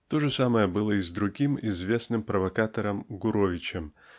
То же самое было и с другим известным провокатором Гуровичем